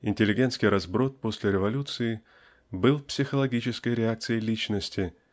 Интеллигентский разброд после революции был психологической реакцией личности